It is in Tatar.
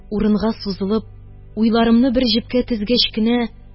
Урынга сузылып, уйларымны бер җепкә тезгәч кенә